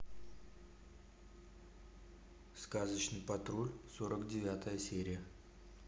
сказочный патруль сорок девятая серия